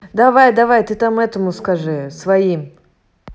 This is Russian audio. давай давай ты там этому скажи своим